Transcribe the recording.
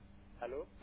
allo